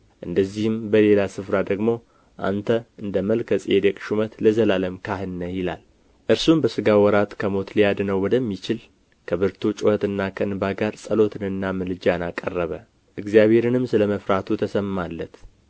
እንደዚህም በሌላ ስፍራ ደግሞ አንተ እንደ መልከ ጼዴቅ ሹመት ለዘላለም ካህን ነህ ይላል እርሱም በስጋው ወራት ከሞት ሊያድነው ወደሚችል ከብርቱ ጩኸትና ከእንባ ጋር ጸሎትንና ምልጃን አቀረበ እግዚአብሔርንም ስለ መፍራቱ ተሰማለት